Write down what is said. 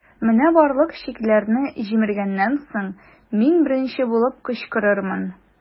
Менә барлык чикләрне җимергәннән соң, мин беренче булып кычкырырмын.